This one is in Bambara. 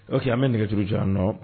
Parce que an bɛ nɛgɛuru ca an nɔ